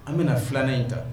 An bena 2 nan in ta